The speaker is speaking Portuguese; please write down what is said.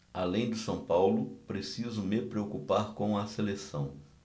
além do são paulo preciso me preocupar com a seleção